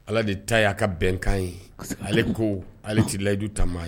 Ala de ta y'a ka bɛnkan ye ale ko ale tɛ layidu ta ye